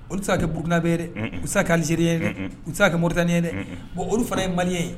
Olu saraka kɛ buruinaɛ dɛ usa ka alizere usa kɛ moritan ye dɛ bon olu fana ye mali ye